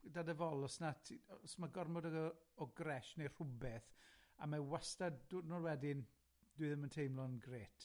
'da dy fol, os na ti- os ma' gormod iddo o gresh neu rhwbeth, a mae wastad, diwrnod wedyn, dwi ddim yn teimlo'n grêt.